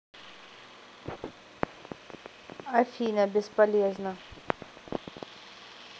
афина бесполезно